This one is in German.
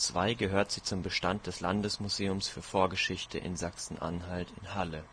2002 gehört sie zum Bestand des Landesmuseums für Vorgeschichte Sachsen-Anhalt in Halle